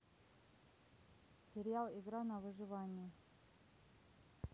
сериал игра на выживание